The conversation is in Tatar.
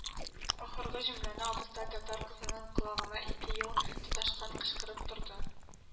Ахыргы җөмләне абыстай татар кызының колагына ике ел тоташтан кычкырып торды.